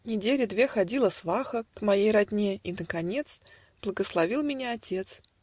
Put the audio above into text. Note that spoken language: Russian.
Недели две ходила сваха К моей родне, и наконец Благословил меня отец.